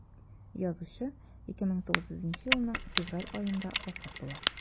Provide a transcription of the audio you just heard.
Язучы 2009 елның февраль аенда вафат була.